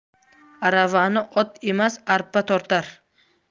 aravani ot emas arpa tortar